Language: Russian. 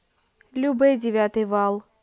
любэ девятый вал